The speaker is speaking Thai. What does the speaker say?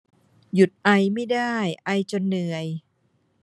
หยุดไอไม่ได้ไอจนเหนื่อย